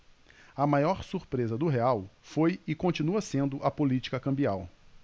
a maior surpresa do real foi e continua sendo a política cambial